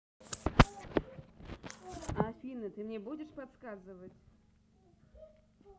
афина ты мне будешь подсказывать